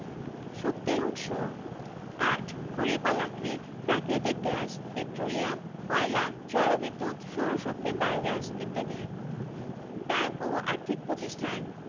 kyanite কাঁচবালি চীনামাটি ইটের মাটি এবং ধাতব খনিজ পানি সম্পদঃ প্রাকৃতিকভাবেই বাংলাদেশের রয়েছে প্রচুর পরিমাণে ভূ পৃষ্ঠস্থ ও ভূগর্ভস্থ পানি সম্পদ